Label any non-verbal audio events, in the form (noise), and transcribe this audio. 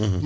(hesitation) (hesitation)